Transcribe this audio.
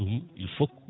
ɗum il faut que